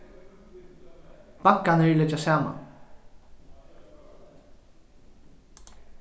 bankarnir leggjast saman